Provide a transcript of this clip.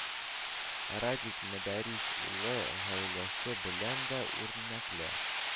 Радик Мөдәрис улы гаиләсе белән дә үрнәкле